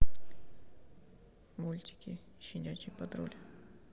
мультики щенячий патруль